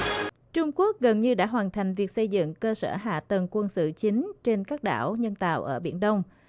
trung quốc gần như đã hoàn thành việc xây dựng cơ sở hạ tầng quân sự chính trên các đảo nhân tạo ở biển đông